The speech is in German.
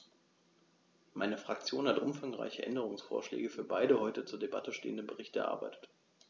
Meine Fraktion hat umfangreiche Änderungsvorschläge für beide heute zur Debatte stehenden Berichte erarbeitet.